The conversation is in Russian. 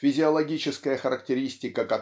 Физиологическая характеристика